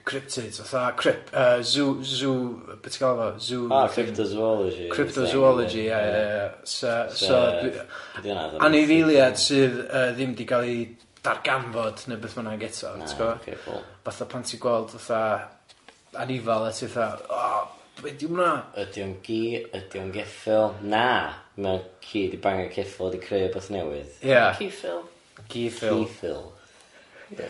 Cryptid fatha cryp- yy zoo zoo yy be' ti'n galw fo zoo? Oh cryptozoology cryptozoology ie, ie... So anifeiliad sydd ddim di gal i darganfod neu be bynnag eto, fatha pan ti'n gweld fatha anifal a ti fatha be di hwna? Ydio'n gi? Ydio'n geffyl? Na! Ma ci di bangio ceffyl a di creu wbath newydd. Ie. Ci-ffyl. Ciffyl Ie ie.